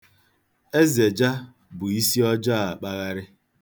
Ezeja bu isiọjọọ akpagharị.